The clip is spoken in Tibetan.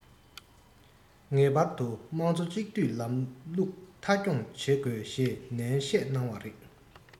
ངེས པར དུ དམངས གཙོ གཅིག སྡུད ལམ ལུགས མཐའ འཁྱོངས བྱེད དགོས ཞེས ནན བཤད གནང བ རེད